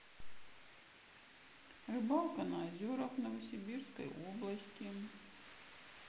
рыбалка на озерах в новосибирской области